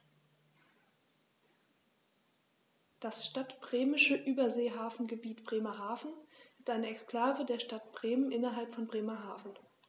Das Stadtbremische Überseehafengebiet Bremerhaven ist eine Exklave der Stadt Bremen innerhalb von Bremerhaven.